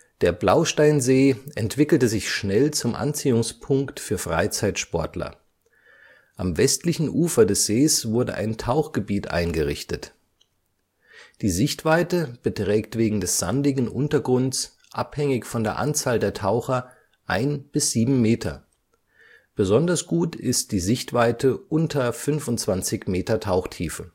Der Blausteinsee entwickelte sich schnell zum Anziehungspunkt für Freizeitsportler. Am westlichen Ufer des Sees wurde ein Tauchgebiet eingerichtet. Die Sichtweite beträgt wegen des sandigen Untergrunds abhängig von der Anzahl der Taucher ein bis sieben Meter, besonders gut ist die Sichtweite unter 25 Meter Tauchtiefe